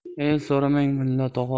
e so'ramang mulla tog'a